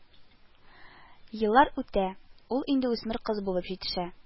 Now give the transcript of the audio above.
Еллар үтә, ул инде үсмер кыз булып җитешә